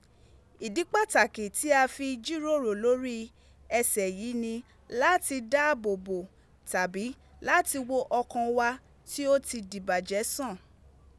Idi Pataki ti a fi jiroro lori ese yii ni lati daabobo tabi lati wo okan wa ti o ti dibaje san.